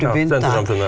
ja Studentersamfundet.